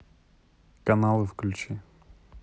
каналы включи